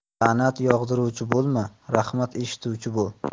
la'nat yog'diruvchi bo'lma rahmat eshituvchi bo'l